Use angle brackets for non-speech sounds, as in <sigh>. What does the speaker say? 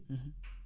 <hesitation> <hesitation>